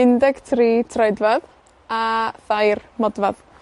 un deg tri troedfadd, a thair modfadd.